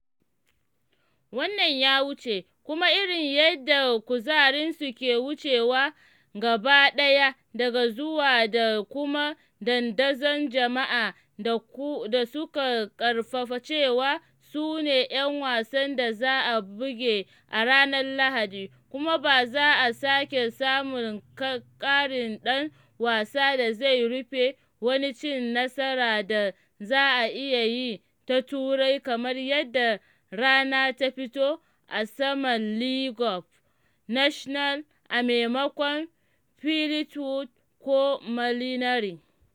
Wannan ya wuce, kuma irin yadda kuzarinsu ke wucewa gaba ɗaya daga zuwa da kuma dandazon jama’a da suka ƙarfafa cewa su ne ‘yan wasan da za a buge a ranar Lahdi, kuma ba za a sake samun ƙarin ɗan wasa da zai rufe wani cin nasara da za a iya yi ta Turai kamar yadda rana ta fito a saman Le Golf National maimakon Fleetwood ko Molinari.